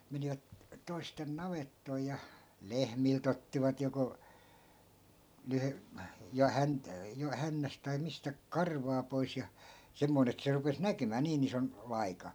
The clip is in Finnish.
menivät toisten navettoihin ja lehmiltä ottivat joko - ja - jo hännästä tai mistä karvaa pois ja semmoinen että se rupesi näkymään niin ison vaika